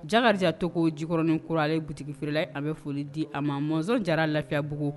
Jakari to ko jikɔrɔnin kura ale butigifila a bɛ foli di a ma mɔnzɔn jara lafiyabugu